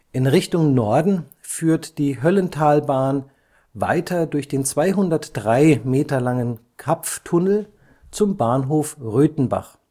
In Richtung Norden führt die Höllentalbahn weiter durch den 203 Meter langen Kapf-Tunnel zum Bahnhof Rötenbach